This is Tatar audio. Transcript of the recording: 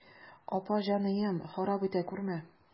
Апа җаныем, харап итә күрмә.